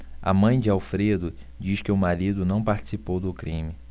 a mãe de alfredo diz que o marido não participou do crime